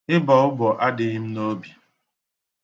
Ịbọ ụbọ adịghị m n'obi.